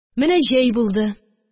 Менә җәй булды.